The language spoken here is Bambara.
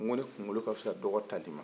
n ko ne kunkolo ka fisa dɔgɔ tali man